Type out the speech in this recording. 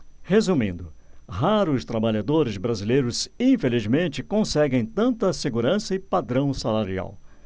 resumindo raros trabalhadores brasileiros infelizmente conseguem tanta segurança e padrão salarial